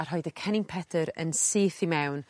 a rhoid y cennin Pedyr yn syth i mewn